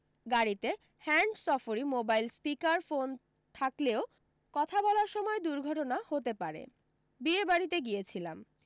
গাড়িতে hands free mobile speaker phone থাকলেও কথা বলার সময় দুর্ঘটনা হতে পারে বিয়ে বাড়ীতে গিয়েছিলাম